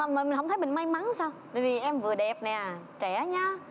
mà mình hông thấy mình may mắn sao vì em vừa đẹp nè trẻ nhá